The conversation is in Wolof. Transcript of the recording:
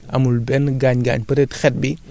am na tamit yeneen service su Etat bi yu koy def